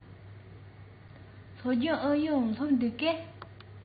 སློབ སྦྱོང ཨུ ཡོན སླེབས འདུག གས